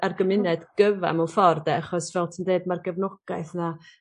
a'r gymuned gyfan mewn ffordd 'de achos fel ti'n deud ma'r gefnogaeth 'na